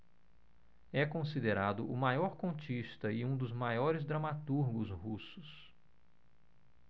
é considerado o maior contista e um dos maiores dramaturgos russos